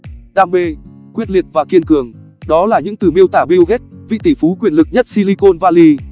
đam mê quyết liệt và kiên cường đó là những từ miêu tả bill gates vị tỷ phú quyền lực nhất silicon valley